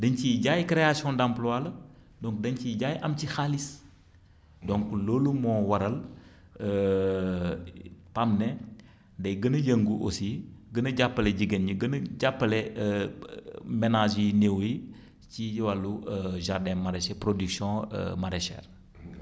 dañ ciy jaay création d' emploi la donc dañu ciy jaay am ci xaalis donc loolu moo waral PAM ne day gën a yëngu aussi gën a jàppale jigéen ñi gën a jàppale ménages yi néew yi ci wàllu jardin maraicher production maraichère